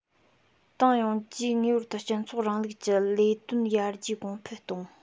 ཏང ཡོངས ཀྱིས ངེས པར དུ སྤྱི ཚོགས རིང ལུགས ཀྱི ལས དོན ཡར རྒྱས གོང འཕེལ གཏོང